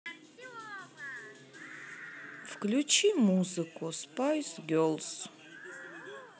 включи музыку спайс гелз